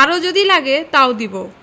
আরও যদি লাগে তাও দিব